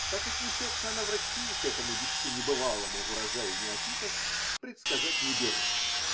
Как отнесется она в России к этому еще небывалому урожаю неофитов, предсказать не берусь.